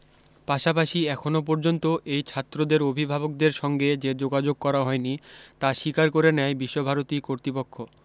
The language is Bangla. পাশাপাশি এখনও পর্যন্ত এই ছাত্রদের অভিভাবকদের সঙ্গে যে যোগাযোগ করা হয়নি তা স্বীকার করে নেয় বিশ্বভারতী কর্তৃপক্ষ